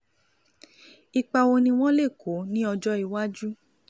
Ipa wo ni wọ́n lè kó ní ọjọ́-iwájú?